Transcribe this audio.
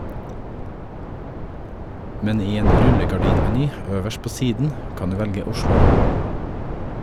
Men i en rullegardinmeny øverst på siden kan du velge Oslo.